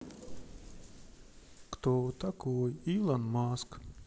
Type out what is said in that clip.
кто такой илон маск